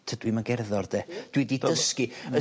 Tydw i'm yn gerddor 'de dwi 'di dysgu y...